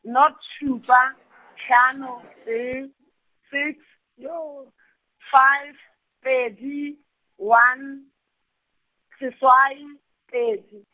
noto šupa, hlano, tee, six, joo, five, pedi, one, seswai, pedi.